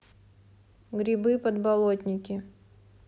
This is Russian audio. грибы подболотники